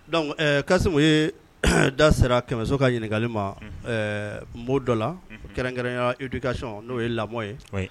Dɔnku kasisi u ye da sera kɛmɛso ka ɲininkakali ma mɔ dɔ la kɛrɛnkɛrɛnyadu kasɔnɔn n'o ye lamɔ ye